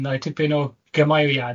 neu tipyn o gymairiad